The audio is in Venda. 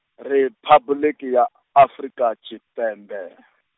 Riphabuḽiki ya, Afrika Tshipembe .